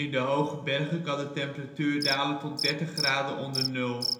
de hoge bergen kan de temperatuur dalen tot 30°C onder nul